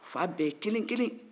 fa bɛɛ ye kelen-kelen